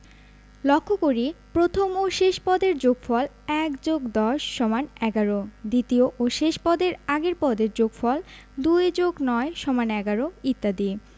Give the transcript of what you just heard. লক্ষ করি প্রথম ও শেষ পদের যোগফল ১+১০=১১ দ্বিতীয় ও শেষ পদের আগের পদের যোগফল ২+৯=১১ ইত্যাদি